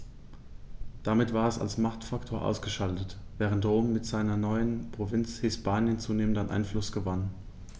Damit war es als Machtfaktor ausgeschaltet, während Rom mit seiner neuen Provinz Hispanien zunehmend an Einfluss gewann.